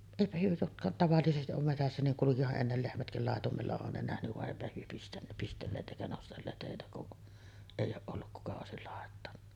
eipä he jotka tavallisesti on metsässä niin kulkihan ennen lehmätkin laitumella on ne nähnyt vaan eipä he - pistelleet eikä nostelleet heitä kun ei ole ollut kuka olisi laittanut